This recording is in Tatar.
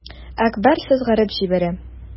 Әкбәр сызгырып җибәрә.